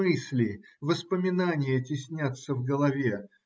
Мысли, воспоминания теснятся в голове.